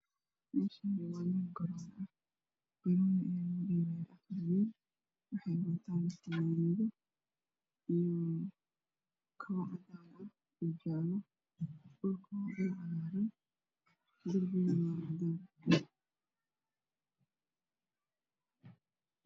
Meeshaani waa meel garoon iyo jaale cagaar